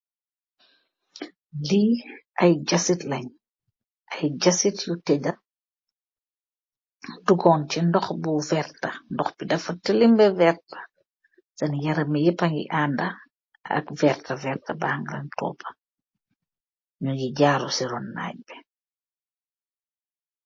Li aye jassit len, aye jassit yu tedda. Doggon chi dohh bu verta, dohh bi dafa tilim ba verta. Sen yarami yeppa ngi anda ak verta, verta! Bang lee topa, nyu ngi jaru si ron tanj bi.